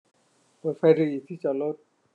เปิดไฟหรี่ที่จอดรถ